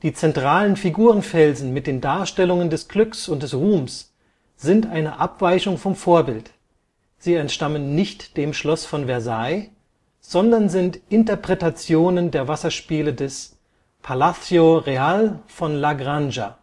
zentralen Figurenfelsen mit den Darstellungen des Glücks und des Ruhmes sind eine Abweichung vom Vorbild, sie entstammen nicht dem Schloss von Versailles, sondern sind Interpretationen der Wasserspiele des Palacio Real von La Granja